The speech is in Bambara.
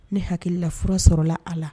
Ne hakilikila fura sɔrɔlala a la